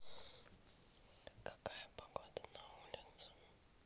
какая погода на улице